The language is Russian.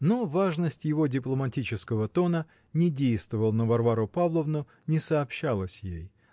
Но важность его дипломатического тона не действовала на Варвару Павловну, не сообщалась ей.